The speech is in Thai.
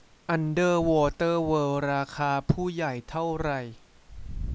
อันเดอร์วอเตอร์เวิล์ดราคาผู้ใหญ่เท่าไหร่